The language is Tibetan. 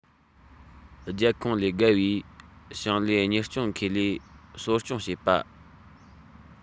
རྒྱལ ཁོངས ལས བརྒལ བའི ཞིང ལས གཉེར སྐྱོང ཁེ ལས གསོ སྐྱོང བྱེད པ